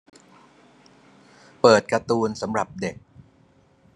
เปิดการ์ตูนสำหรับเด็ก